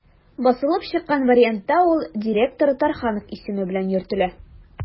Басылып чыккан вариантта ул «директор Тарханов» исеме белән йөртелә.